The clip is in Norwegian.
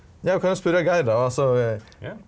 eg kan jo spørje Geir då altså.